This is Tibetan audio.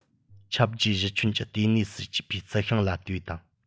ཁྱབ རྒྱའི གཞི ཁྱོན གྱི ལྟེ གནས སུ སྐྱེས པའི རྩི ཤིང ལ ལྟོས དང